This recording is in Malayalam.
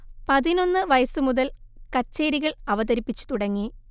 പതിനൊന്ന് വയസ്സു മുതൽ കച്ചേരികൾ അവതരിപ്പിച്ചു തുടങ്ങി